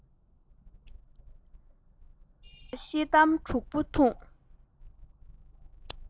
སྦི རག ཤེལ དམ དྲུག པོ བཏུངས